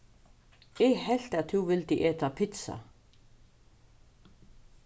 eg helt at tú vildi eta pitsa